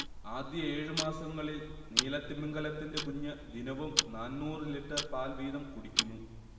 ആദ്യ ഏഴു മാസങ്ങളിൽ നീലത്തിമിംഗിലത്തിന്റെ കുഞ്ഞ് ദിനവും നാന്നൂറ് ലിറ്റർ പാൽ വീതം കുടിക്കുന്നു